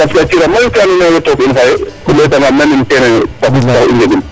Parce que a cir a mayu ke andoona yee owey took in xaye o ɗeetangaan nand ne kene taxu i njegin.